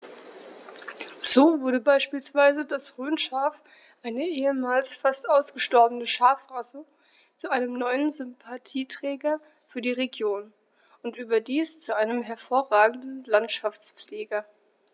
So wurde beispielsweise das Rhönschaf, eine ehemals fast ausgestorbene Schafrasse, zu einem neuen Sympathieträger für die Region – und überdies zu einem hervorragenden Landschaftspfleger.